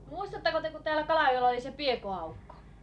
muistatteko te kun täällä Kalajoella oli se Piekon Aukko